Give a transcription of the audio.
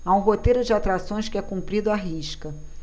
há um roteiro de atrações que é cumprido à risca